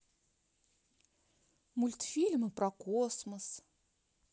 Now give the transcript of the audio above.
мультфильмы про космос